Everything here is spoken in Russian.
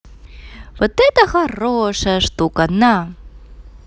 вот это хорошая штука на